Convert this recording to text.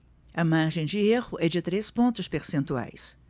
a margem de erro é de três pontos percentuais